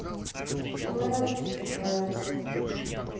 лэл лэл